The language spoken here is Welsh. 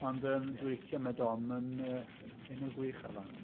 Ond yym dwi'n licio... mae Dom yn yy enw gwych ar fand.